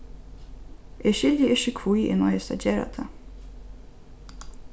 eg skilji ikki hví eg noyðist at gera tað